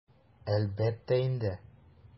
Әлбәттә инде!